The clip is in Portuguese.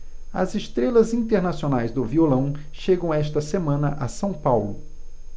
as estrelas internacionais do violão chegam esta semana a são paulo